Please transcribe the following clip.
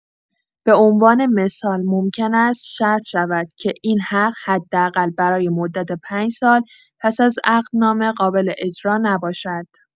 به‌عنوان مثال، ممکن است شرط شود که این حق حداقل برای مدت ۵ سال پس از عقدنامه قابل‌اجرا نباشد.